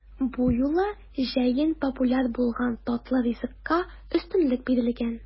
Бу юлы җәен популяр булган татлы ризыкка өстенлек бирелгән.